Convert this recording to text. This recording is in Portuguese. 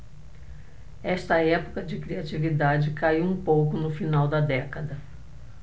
esta época de criatividade caiu um pouco no final da década